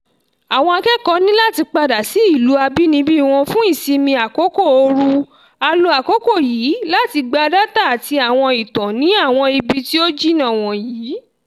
Àwọn akẹ́kọ̀ọ́ ní láti padà sí ìlú abínibí wọn fún ìsinmi àkókò ooru: a lo àkókò yìí láti gba dátà àti àwọn ìtàn ní àwọn ibi tí ó jìnà wọ̀nyí.